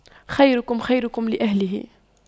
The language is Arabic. خيركم خيركم لأهله